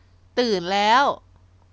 ตื่นแล้ว